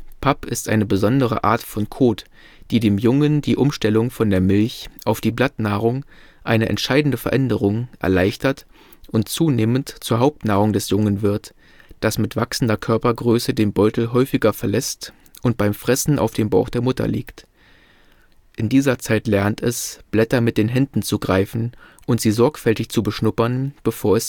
Papp ist eine besondere Art von Kot, die dem Jungen die Umstellung von der Milch - auf die Blattnahrung, eine entscheidende Veränderung, erleichtert und zunehmend zur Hauptnahrung des Jungen wird, das mit wachsender Körpergröße den Beutel häufiger verlässt und beim Fressen auf dem Bauch der Mutter liegt. In dieser Zeit lernt es, Blätter mit den Händen zu greifen und sie sorgfältig zu beschnuppern, bevor